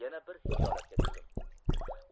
yana bir hijolatga tushdim